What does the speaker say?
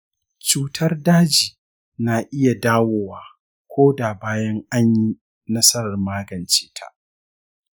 cutar daji na iya dawowa koda bayan anyi nasarar magance ta.